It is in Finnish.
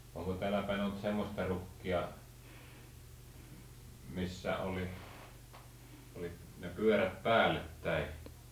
onko täällä päin ollut semmoista rukkia missä oli oli ne pyörät päällettäin